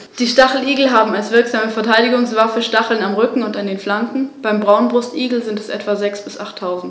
Wie bei allen Arten der Unterfamilie Aquilinae sind die Beine bis zu den sehr kräftigen gelben Zehen befiedert.